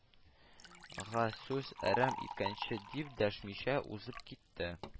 Га сүз әрәм иткәнче дип, дәшмичә узып китте